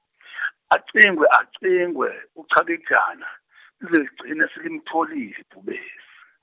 acingwe acingwe uChakijana lize ligcine selimtholile ibhubesi.